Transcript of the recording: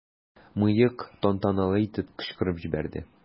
"мыек" тантаналы итеп кычкырып җибәрде.